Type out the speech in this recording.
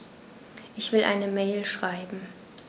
Ich will eine Mail schreiben.